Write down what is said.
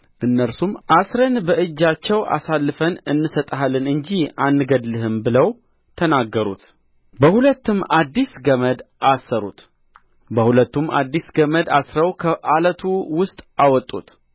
እነርሱም አስረን በእጃቸው አሳልፈን እንሰጥሃለን እንጂ አንገድልህም ብለው ተናገሩት በሁለትም አዲስ ገመድ አስረው ከዓለቱ ውስጥ አወጡት